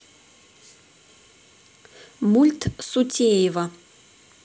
мульт сутеева